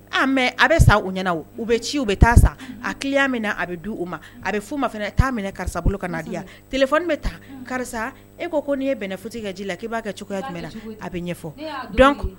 Mɛ a bɛ sa u ɲɛna u bɛ ci u bɛ taa sa aya min na a bɛ di u ma a bɛ ma' minɛ karisa bolo ka na bɛ taa karisa e ko n'i ye bɛn foyitigi ka ji la k' b'a kɛ cogoya tɛm na a bɛ ɲɛfɔ